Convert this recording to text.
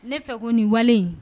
Ne fɛ ko nin wale